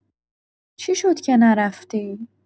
چی شد که نرفتی؟